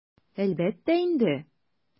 Әлбәттә инде!